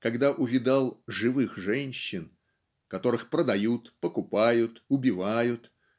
когда увидал "живых женщин" которых продают покупают убивают